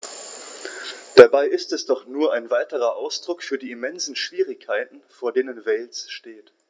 Dabei ist es doch nur ein weiterer Ausdruck für die immensen Schwierigkeiten, vor denen Wales steht.